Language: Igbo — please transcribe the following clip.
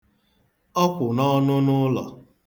Onye kwụ n'ọnụnụụlọ?